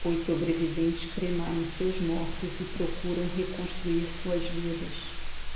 os sobreviventes cremaram seus mortos e procuram reconstruir suas vidas